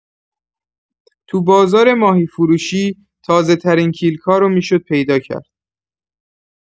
تو بازار ماهی‌فروشی، تازه‌ترین کیلکا رو می‌شد پیدا کرد.